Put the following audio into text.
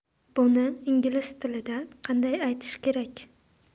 buni ingliz tilida qanday aytish kerak